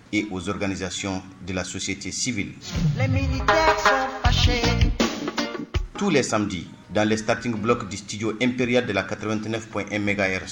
Et aux organisations de la société civile Tous les samedis, dans les starting-block du studio impérial de la 89.1 mégahertz